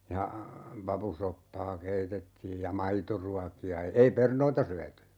ja papusoppaa keitettiin ja maitoruokia ei perunoita syöty